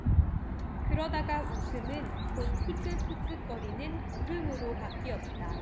그러다가 웃음은 곧 히끅히끅 거리는 울음으로 바뀌었다